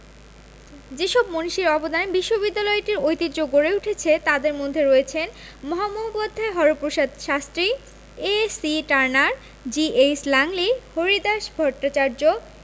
যেসব মনীষীর অবদানে বিশ্ববিদ্যালয়টির ঐতিহ্য গড়ে উঠেছে তাঁদের মধ্যে রয়েছেন Mahamahopadhyay Haraprasad Shastri A C Turner G H Langley Haridas Bhattacharya